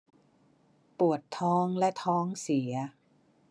ปวดท้องและท้องเสีย